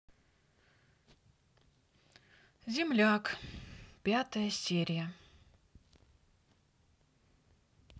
земляк пятая серия